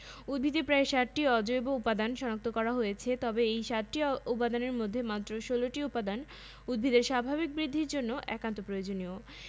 nitrogen nitrogen nucleic acid protein আর ক্লোরোফিলের অত্যাবশ্যকীয় উপাদান উদ্ভিদের সাধারণ দৈহিক বৃদ্ধিতে নাইট্রোজেন গুরুত্বপূর্ণ ভূমিকা পালন করে এবং কোষ কলায় পানির পরিমাণ বৃদ্ধি করে